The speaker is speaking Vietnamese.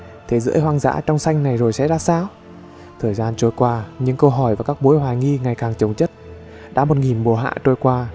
thế giới hoang dã trong xanh này rồi sẽ ra sao thời gian trôi qua những câu hỏi và các mối hồ nghi ngày càng chồng chất đã một nghìn mùa hạ trôi qua